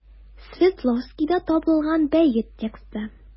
Свердловскида табылган бәет тексты.